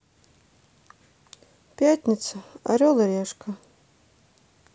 пятница орел и решка